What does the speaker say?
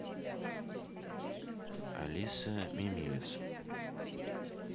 алиса мимилиса